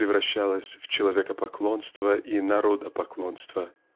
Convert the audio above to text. превращалось в человекопоклонство и народопоклонство.